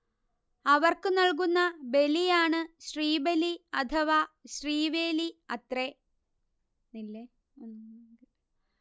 അവർക്ക് നൽകുന്ന ബലിയാണ് ശ്രീബലി അഥവാ ശ്രീവേലി അത്രെ